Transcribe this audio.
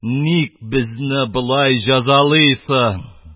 Ник безне болай җәзалыйсың?..